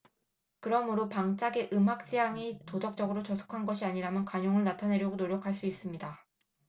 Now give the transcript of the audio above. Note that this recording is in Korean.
그러므로 방짝의 음악 취향이 도덕적으로 저속한 것이 아니라면 관용을 나타내려고 노력할 수 있습니다